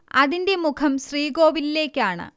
അതിന്റെ മുഖം ശ്രീകോവിലിലേക്കാണ്